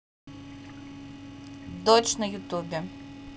дочь на ютубе